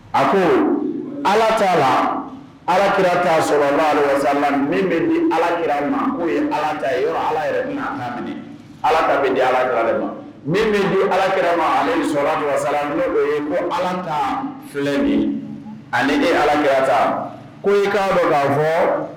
A ko ala t' la alaki ta sɔmazsa min bɛ di alakira ma ko ye ala ta yɔrɔ ala yɛrɛ lam ala ka bɛ di alaki ma min min don alakima ale sɔsala ne'o ye ko ala ta filɛ min ani ni alakita ko i k'a bɛ k' fɔ